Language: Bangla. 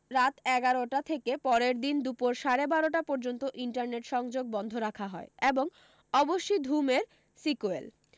রাত এগারোটা থেকে পরের দিন দুপুর সাড়ে বারোটা পর্যন্ত ইন্টারনেট সংযোগ বন্ধ রাখা হয় এবং অবশ্যি ধুম এর সিকোয়েল